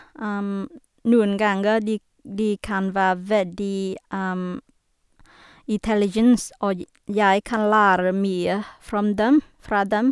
Noen ganger de de kan være veldig intelligens, og j jeg kan lære mye from dem fra dem.